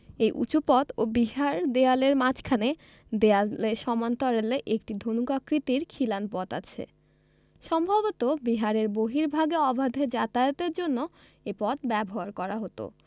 এই উঁচু পথ ও বিহার দেয়ালের মাঝখানে দেয়াল সমান্তরালে একটি ধনুকাকৃতির খিলান পথ আছে সম্ভবত বিহারের বর্হিভাগে অবাধে যাতায়াতের জন্য এ পথ ব্যবহার করা হতো